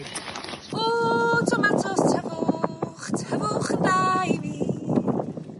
O! Tomatos tyfwch, tyfwch yn da i mi.